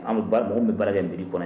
An be b'a dɔn anw bɛ baara kɛ mairie kɔnɔ ya